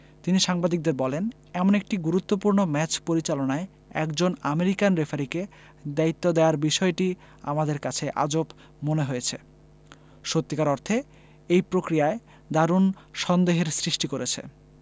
তিনি সাংবাদিকদের বলেন এমন একটি গুরুত্বপূর্ণ ম্যাচ পরিচালনায় একজন আমেরিকান রেফারিকে দায়িত্ব দেয়ার বিষয়টি আমাদের কাছে আজব মনে হয়েছে সত্যিকার অর্থে এই প্রক্রিয়ায় দারুণ সন্দেহের সৃষ্টি করেছে